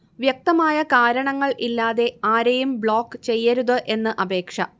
വ്യക്തമായ കാരണങ്ങൾ ഇല്ലാതെ ആരെയും ബ്ലോക്ക് ചെയ്യരുത് എന്ന് അപേക്ഷ